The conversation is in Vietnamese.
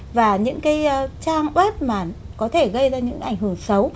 và những cái trang quét mà có thể gây ra những ảnh hưởng xấu